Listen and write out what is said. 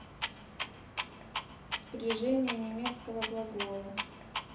спряжение немецкого глагола